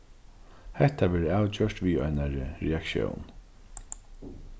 hetta verður avgjørt við einari reaktión